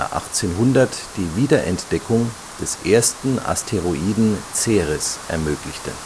1800 die Wiederentdeckung des ersten Asteroiden Ceres ermöglichte